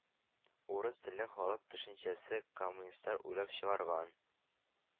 «урыс телле халык» төшенчәсе — коммунистлар уйлап чыгарган